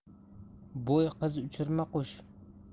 bo'y qiz uchirma qush